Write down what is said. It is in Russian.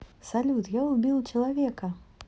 салют я убил человека